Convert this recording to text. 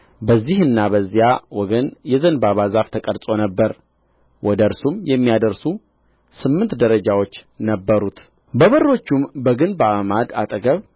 በዚህና በዚያ ወገን የዘንባባ ዛፍ ተቀርጾ ነበር ወደ እርሱም የሚያደርሱ ስምንት ደረጃዎች ነበሩት በበሮቹም በግንብ አዕማድ አጠገብ